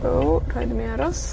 O! Rhaid i mi aros.